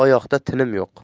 oyoqda tinim yo'q